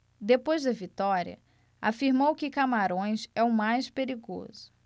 depois da vitória afirmou que camarões é o mais perigoso